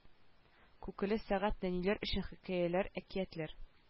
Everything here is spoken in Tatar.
Күкеле сәгать нәниләр өчен хикәяләр әкиятләр